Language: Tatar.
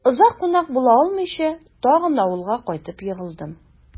Озак кунак була алмыйча, тагын авылга кайтып егылдым...